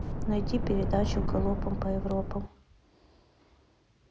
найди передачу галопом по европам